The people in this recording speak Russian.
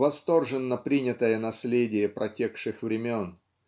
восторженно принятое наследие протекших времен.